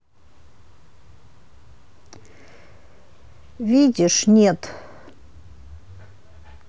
видишь нет